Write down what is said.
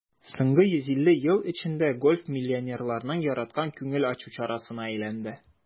Соңгы 150 ел эчендә гольф миллионерларның яраткан күңел ачу чарасына әйләнде.